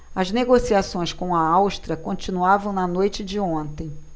as negociações com a áustria continuavam na noite de ontem